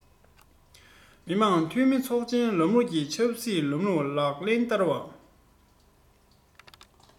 མི དམངས འཐུས མི ཚོགས ཆེན ལམ ལུགས ཀྱི ཆབ སྲིད ལམ ལུགས ལག ལེན བསྟར བ